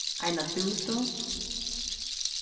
eina pútu